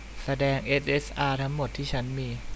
แสดงเอสเอสอาทั้งหมดที่ฉันมี